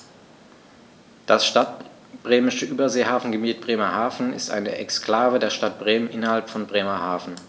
Das Stadtbremische Überseehafengebiet Bremerhaven ist eine Exklave der Stadt Bremen innerhalb von Bremerhaven.